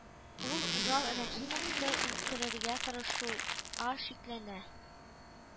Ул Урал Рәхимовты үлтерергә тырышу а шикләнә